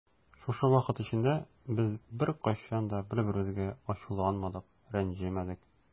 Шушы вакыт эчендә без беркайчан да бер-беребезгә ачуланмадык, рәнҗемәдек.